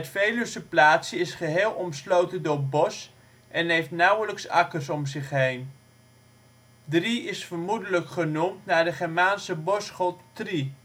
plaatsje is geheel omsloten door bos en heeft nauwelijks akkers om zich heen. Het Boshuis Drie is vermoedelijk genoemd naar de Germaanse bosgod Thri